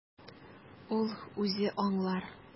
Ул үзе аңлар.